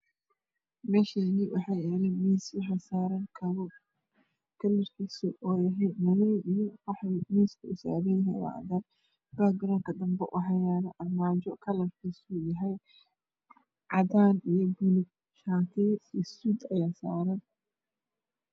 Me Shani waxa iyalo miis waxa saran kaluun kalarkisu uyahay madow iyo qaxwi miis ku saran yahay wa cagaar bagaronka danbe waxa yalo armaajo kalar kisu uyahay cadan iya bulug tasin iya suug aya saran